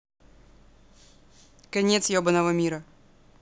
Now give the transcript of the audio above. конец ебаного мира